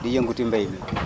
di yëngu ci mbay mi